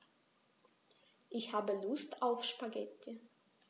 Ich habe Lust auf Spaghetti.